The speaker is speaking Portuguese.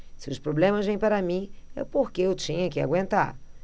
se os problemas vêm para mim é porque eu tinha que aguentar